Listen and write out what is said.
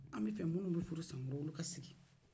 an bɛ fɛ minnu bɛ furu san wɛrɛ olu ka sigi